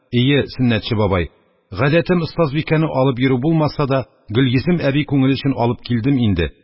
Әйе, Сөннәтче бабай, гадәтем остазбикәне алып йөрү булмаса да, Гөлйөзем әби күңеле өчен алып килдем инде.